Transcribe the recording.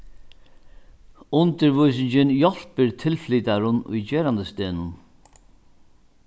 undirvísingin hjálpir tilflytarum í gerandisdegnum